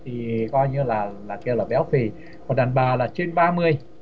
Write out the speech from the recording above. thì coi như là là kêu là béo phì còn đàn bà là trên ba mươi